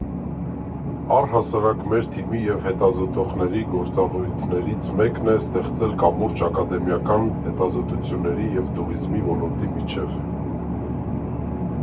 Առհասարակ մեր թիմի և հետազոտողների գործառույթներից մեկն է ստեղծել կամուրջ ակադեմիական հետազոտությունների և տուրիզմի ոլորտի միջև։